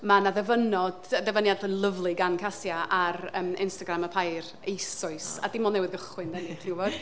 Ma' 'na ddyfynod yy ddyfyniad lyfli gan Casia ar yym Instagram Y Pair eisoes, a dim ond newydd gychwyn, dan ni, chi gwybod?